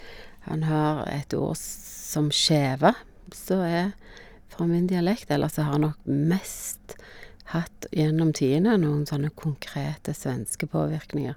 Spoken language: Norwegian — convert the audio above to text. Han har et ord som skeva b som er fra min dialekt, eller så har han nok mest hatt gjennom tidene noen sånne konkrete svenske påvirkninger.